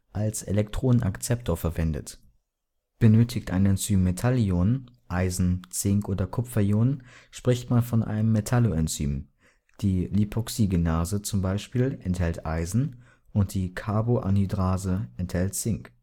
als Elektronenakzeptor verwendet. Benötigt ein Enzym Metallionen (Eisen -, Zink - oder Kupferionen), spricht man von einem Metalloenzym. Die Lipoxygenase zum Beispiel enthält Eisen und die Carboanhydrase enthält Zink